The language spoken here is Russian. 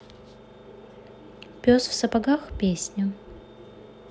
пес в сапогах песня